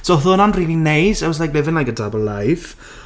So oedd hwnna'n rili neis. I was like living like a double life.